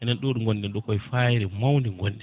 enen ɗo ɗo gonɗen ɗo koye fayre mawde gonɗen